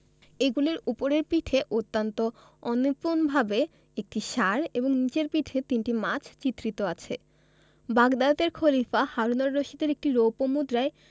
এগুলির উপরের পিঠে অত্যন্ত অনিপুণভাবে একটি ষাঁড় এবং নিচের পিঠে তিনটি মাছ চিত্রিত আছে বাগদাদের খলিফা হারুন অর রশিদের একটি রৌপ্য মুদ্রায়